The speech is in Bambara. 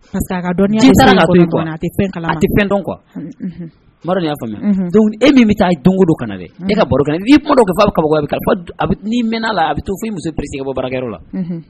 Dɔn kɔ ya e min bɛ taa dondo kana na dɛ e mɛn la a bɛ to i muso bɔ barayɔrɔ la